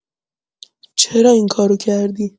چرا این کارو کردی؟